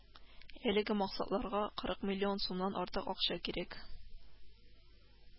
Әлеге максатларга кырык миллион сумнан артык акча кирәк